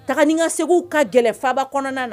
Taganikaseginw ka kɛlɛ faabakɔnɔna na